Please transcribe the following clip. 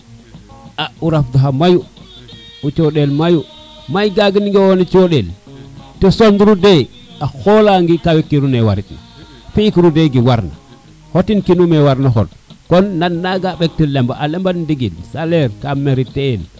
a o raf da xam mayu o condel mayu mayu gaga ga ona o condel to soxlo of doye a xolange ka fi tino no warit na fi kiro ten ke warit na xotin kiro me war no xot kon nan naga ɓeku lembo a lemban ndigil salaire ka meriter el